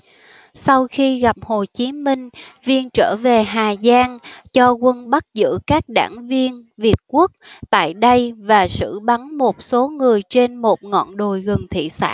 sau khi gặp hồ chí minh viên trở về hà giang cho quân bắt giữ các đảng viên việt quốc tại đây và xử bắn một số người trên một ngọn đồi gần thị xã